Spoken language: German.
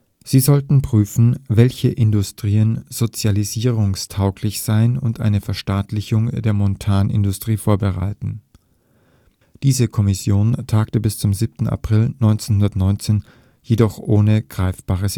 Sie sollte prüfen, welche Industrien „ sozialisierungstauglich “seien, und eine Verstaatlichung der Montanindustrie vorbereiten. Diese Kommission tagte bis zum 7. April 1919 ohne jedes greifbare